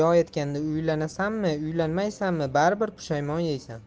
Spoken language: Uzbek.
jo etgandi uylanasanmi uylanmaysanmi baribir pushaymon yeysan